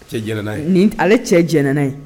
Cɛ jɛnɛna ye nin ale cɛ jɛnɛ ye